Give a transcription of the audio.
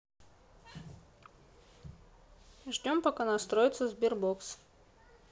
ждем пока настроится sberbox